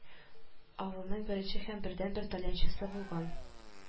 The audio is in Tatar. Авылның беренче һәм бердәнбер тальянчысы булган